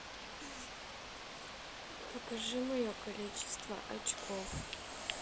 покажи мое количество очков